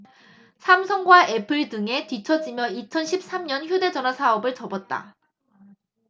삼성과 애플 등에 뒤처지며 이천 십 삼 년 휴대전화사업을 접었다